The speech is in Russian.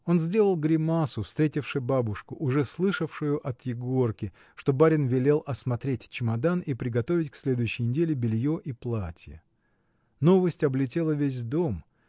Он сделал гримасу, встретивши бабушку, уже слышавшую от Егорки, что барин велел осмотреть чемодан и приготовить к следующей неделе белье и платье. Новость облетела весь дом.